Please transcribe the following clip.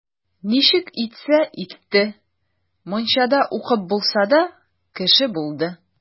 Ничек итсә итте, мунчада укып булса да, кеше булды.